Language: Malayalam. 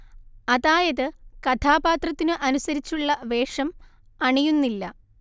അതായത് കഥാപാത്രത്തിനു അനുസരിച്ചുള്ള വേഷം അണിയുന്നില്ല